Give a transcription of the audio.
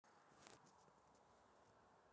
рост на андроид